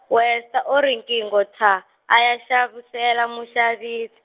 wesa- o riqingho thyaa, a ya xavisela muxavi .